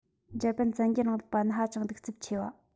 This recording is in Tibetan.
འཇར པན བཙན རྒྱལ རིང ལུགས པ ནི ཧ ཅང གདུག རྩུབ ཆེ བ